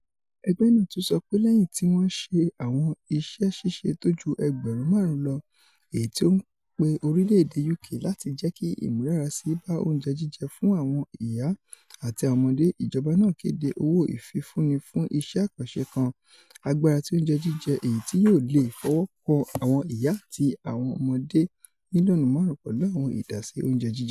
Ẹgbẹ́ náà tún sọ pé lẹ́yìn tí wọn ṣe àwọn iṣẹ́ ṣíṣe to ju ẹgbẹ̀rúnn máàrún lọ èyití ó ńpè orílẹ̀-èdè U.K. láti jẹ́kí ìmúdárasíi bá oúnjẹ jíjẹ fún àwọn ìyá àti àwọn ọmọdé, ìjọba náà kédé owó ìfifúnni fún iṣẹ́ àkànṣe kan, Agbára ti Oúnjẹ Jíjẹ, èyití yóò leè fọwọ́kan àwọn ìyá àti àwọn ọmọdé mílíọ̀nù máàrún pẹ̀lú àwọn ìdásí oúnjẹ jíjẹ.